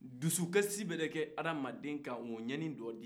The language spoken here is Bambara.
dusukasi mana kɛ adamaden kan o ye ɲani do ye